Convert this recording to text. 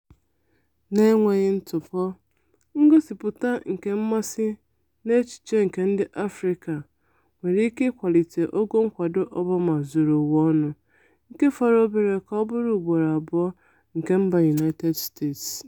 N'enweghị ntụpọ, ngosịpụta nke mmasị n'echiche nke ndị Afrịka nwere ike ịkwalite ogo nkwado Obama zuru ụwa ọnụ, nke fọrọ obere ka ọ bụrụ ugboro abụọ nke mba United States.